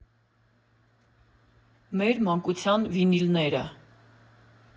Մեր մանկության վինիլները։